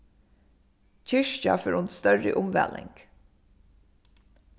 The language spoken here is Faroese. kirkja fer undir størri umvæling